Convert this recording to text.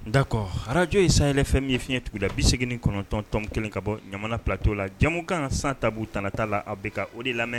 Da kɔ harajo ye sayɛlɛ fɛn min fiɲɛɲɛugu la bi segin9tɔntɔn kelen ka bɔ jamana patɔ la jamumukan kan san ta tta la a bɛ ka o de lamɛn